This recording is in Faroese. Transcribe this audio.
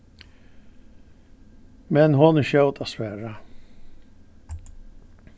men hon er skjót at svara